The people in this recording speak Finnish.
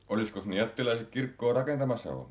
olisikos ne jättiläiset kirkkoa rakentamassa ollut